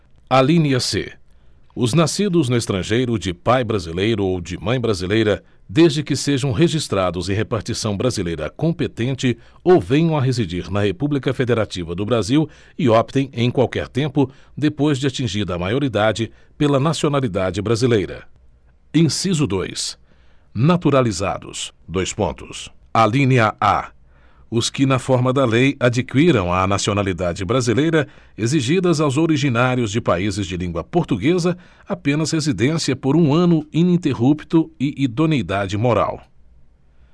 alínea c os nascidos no estrangeiro de pai brasileiro ou de mãe brasileira desde que sejam registrados em repartição brasileira competente ou venham a residir na república federativa do brasil e optem em qualquer tempo depois de atingida a maioridade pela nacionalidade brasileira inciso dois naturalizados dois pontos alínea a os que na forma da lei adquiram a nacionalidade brasileira exigidas aos originários de países de língua portuguesa apenas residência por um ano ininterrupto e idoneidade moral